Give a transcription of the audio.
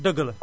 dëgg la